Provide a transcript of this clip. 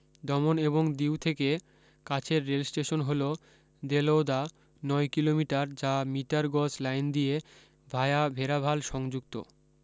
দমন এবং দিউ থেকে কাছের রেলস্টেশন হল দেলওদা নয় কিলোমিটার যা মিটার গজ লাইন দিয়ে ভায়া ভেরাভাল সংযুক্ত